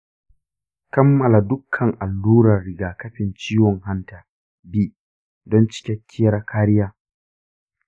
kammala dukkan alluran rigakafin ciwon hanta b don cikakkiyar kariya.